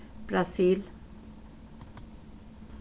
brasil